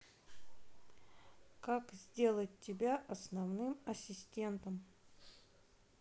как сделать тебя основным ассистентом